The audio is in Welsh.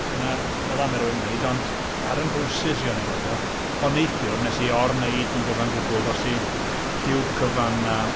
Dyna- fel yna mae rhywun yn wneud ond ar fy nhrowsus i o'n i'n rhoid o ond neithiwr wnes i or-wneud yn gyfan gwbl. Rhois i diwb cyfan a...